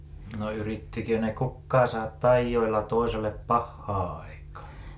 no yrittikö ne kukaan saada taioilla toiselle pahaa aikaan